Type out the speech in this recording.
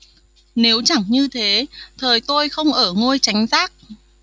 nếu chẳng như thế thời tôi không ở ngôi chánh giác